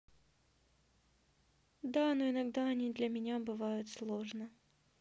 да но иногда они для меня бывает сложно